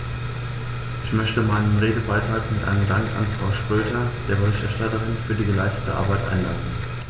Ich möchte meinen Redebeitrag mit einem Dank an Frau Schroedter, der Berichterstatterin, für die geleistete Arbeit einleiten.